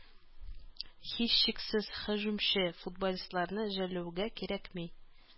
Һичшиксез һөҗүмче футболистларны жәллэүгә кирәкми.